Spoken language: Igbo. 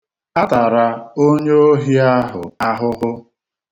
A tara onyeohi ahụ ahụhụ.